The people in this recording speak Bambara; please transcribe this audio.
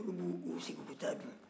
olu b'i sigi k'u ta dun